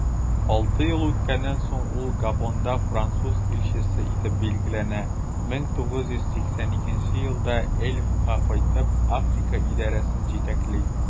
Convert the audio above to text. Алты ел үткәннән соң, ул Габонда француз илчесе итеп билгеләнә, 1982 елда Elf'ка кайтып, Африка идарәсен җитәкли.